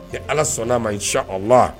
Ni ala sɔnna'a mac o ma